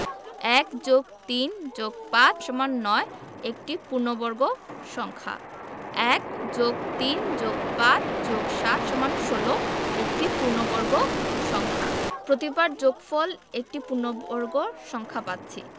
১+৩+৫=৯ একটি পূর্ণবর্গ সংখ্যা ১+৩+৫+৭=১৬ একটি পূর্ণবর্গ সংখ্যা প্রতিবার যোগফল একটি পূর্ণবর্গ সংখ্যা পাচ্ছি